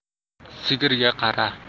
sigirga qara